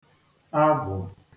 avụ̀